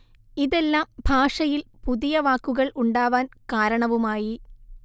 ഇതെല്ലാം ഭാഷയിൽ പുതിയ വാക്കുകൾ ഉണ്ടാവാൻ കാരണവുമായി